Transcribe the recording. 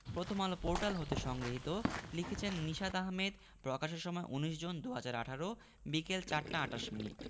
Prothom Alo portal হতে সংগৃহীত লিখেছেন নিশাত আহমেদ প্রকাশের সময় ১৯ জুন ২০১৮ বিকেল ৪টা ২৮ মিনিট